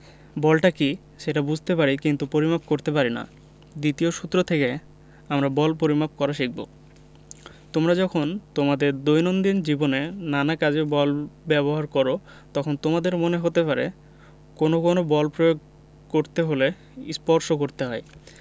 বলটা কী সেটা বুঝতে পারি কিন্তু পরিমাপ করতে পারি না দ্বিতীয় সূত্র থেকে আমরা বল পরিমাপ করা শিখব তোমরা যখন তোমাদের দৈনন্দিন জীবনে নানা কাজে বল ব্যবহার করো তখন তোমাদের মনে হতে পারে কোনো কোনো বল প্রয়োগ করতে হলে স্পর্শ করতে হয়